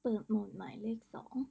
เปิดโหมดหมายเลขสอง